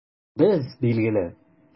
Без, билгеле!